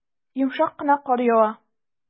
Йомшак кына кар ява.